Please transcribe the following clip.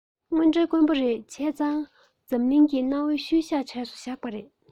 དངོས འབྲེལ དཀོན པོ ཡིན གྱི རེད བྱས ཙང འཛམ གླིང གི གནའ བོའི ཤུལ བཞག ཁོངས སུ བཞག པ རེད